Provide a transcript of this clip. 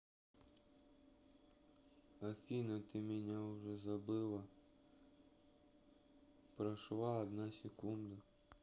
афина ты меня уже забыла прошла одна секунда